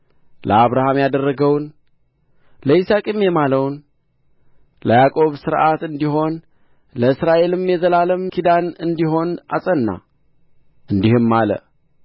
ለአብርሃም ያደረገውን ለይስሐቅም የማለውን ለያዕቆብ ሥርዓት እንዲሆን ለእስራኤልም የዘላለም ኪዳን እንዲሆን አጸና እንዲህም አለ